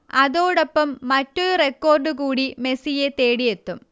അതോടൊപ്പം മറ്റൊരു റെക്കോർഡ് കൂടി മെസ്സിയെ തേടിയെത്തും